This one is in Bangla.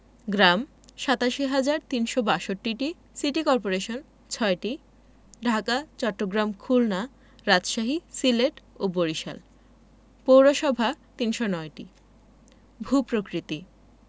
গ্রাম ৮৭হাজার ৩৬২টি সিটি কর্পোরেশন ৬টি ঢাকা চট্টগ্রাম খুলনা রাজশাহী সিলেট ও বরিশাল পৌরসভা ৩০৯টি ভূ প্রকৃতিঃ